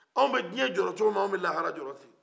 an bɛ dunuya jɔrɛ cogomina an bɛ la kara jɔrɛ ten